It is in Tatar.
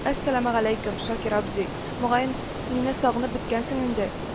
—әссәламәгаләйкем, шакир абзый, мөгаен, мине сагынып беткәнсеңдер инде